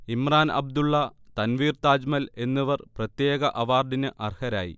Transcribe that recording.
ഇമ്രാൻ അബ്ദുല്ല, തൻവീർ താജ്മൽ എന്നിവർ പ്രത്യേക അവാർഡിന് അർഹരായി